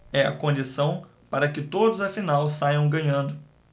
é a condição para que todos afinal saiam ganhando